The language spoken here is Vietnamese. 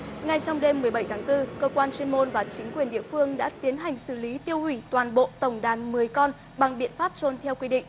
ngay trong đêm mười bảy tháng tư cơ quan chuyên môn và chính quyền địa phương đã tiến hành xử lý tiêu hủy toàn bộ tổng đàn mười con bằng biện pháp chôn theo quy định